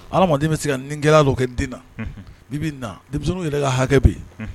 Aladen bɛ se ka nin kɛ don kɛ n den na i'i naw yɛrɛ ka hakɛ bɛ yen